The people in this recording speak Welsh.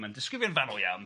Mae'n disgrifio'n fannwl iawn.